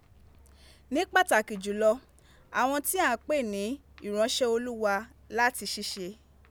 nipataki julo awon ti a n pe ni “iranse Olorun” lati sise.